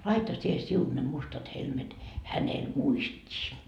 laita sinä sinun ne mustat helmet hänelle muistiin